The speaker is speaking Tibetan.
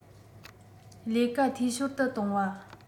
ལས ཀ འཐུས ཤོར དུ གཏོང བ